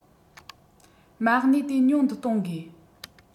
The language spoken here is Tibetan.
མ གནས དེ ཉུང དུ གཏོང དགོས